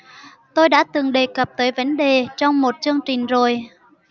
tôi đã từng đề cập tới vấn đề trong một chương trình rồi